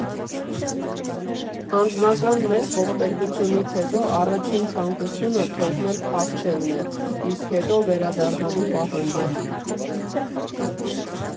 Անձնական մեծ ողբերգությունից հետո առաջին ցանկությունը թողնել֊փախչելն է, իսկ հետո՝վերադառնալու պահանջը։